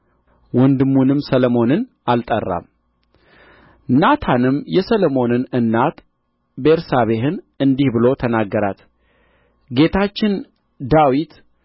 ወንድሙንም ሰሎሞንን አልጠራም ናታንም የሰሎሞንን እናት ቤርሳቤህን እንዲህ ብሎ ተናገራት ጌታችን ዳዊት